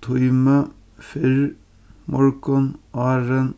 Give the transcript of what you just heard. tími fyrr morgun áðrenn